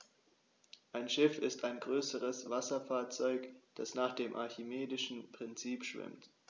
Ein Schiff ist ein größeres Wasserfahrzeug, das nach dem archimedischen Prinzip schwimmt.